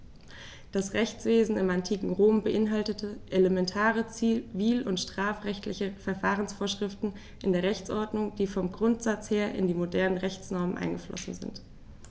Das Rechtswesen im antiken Rom beinhaltete elementare zivil- und strafrechtliche Verfahrensvorschriften in der Rechtsordnung, die vom Grundsatz her in die modernen Rechtsnormen eingeflossen sind.